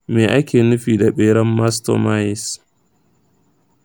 me ake nufi da beran mastomys?